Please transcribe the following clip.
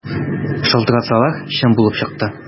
Шалтыратсалар, чын булып чыкты.